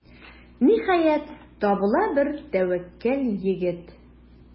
Ниһаять, табыла бер тәвәккәл егет.